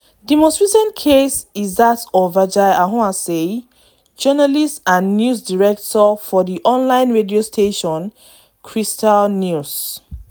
The most recent case is that of Virgile Ahouansè, journalist and news director for the online radio station, Crystal News.